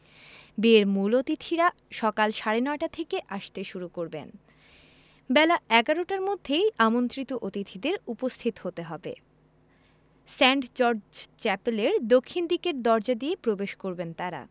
বিয়ের মূল অতিথিরা সকাল সাড়ে নয়টা থেকে আসতে শুরু করবেন বেলা ১১টার মধ্যেই আমন্ত্রিত অতিথিদের উপস্থিত হতে হবে সেন্ট জর্জ চ্যাপেলের দক্ষিণ দিকের দরজা দিয়ে প্রবেশ করবেন তাঁরা